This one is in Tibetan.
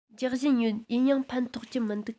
རྒྱག བཞིན ཡོད ཡིན ཡང ཕན ཐོགས ཀྱི མི འདུག